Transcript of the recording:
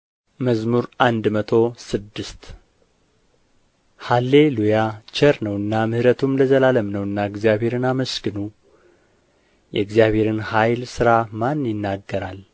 መዝሙር መቶ ስድስት ሃሌ ሉያ ቸር ነውና ምህረቱም ለዘላለም ነውና እግዚአብሔርን አመስግኑ የእግዚአብሔርን ኃይል ሥራ ማን ይናገራል